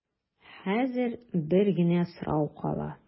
Хәзер бер генә сорау кала.